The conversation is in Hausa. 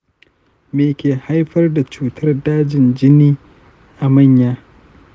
me ke haifar da cutar dajin jini a manya?